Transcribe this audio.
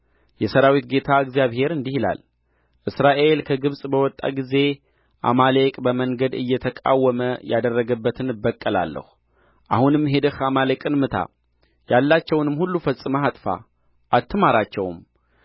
የሠራዊት ጌታ እግዚአብሔር እንዲህ ይላል እስራኤል ከግብጽ በወጣ ጊዜ አማሌቅ በመንገድ እየተቃወመ ያደረገበትን እበቀላለሁ አሁንም ሄደህ አማሌቅን ምታ ያላቸውንም ሁሉ ፈጽመህ አጥፋ አትማራቸውም